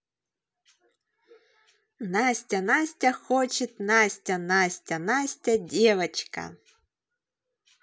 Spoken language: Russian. настя настя хочет настя настя настя девочка